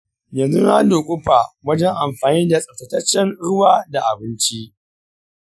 yanzu na duƙufa wajen amfani da tsaftataccen ruwa da abinci.